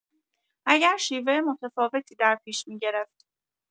اگر شیوه متفاوتی درپیش می‌گرفت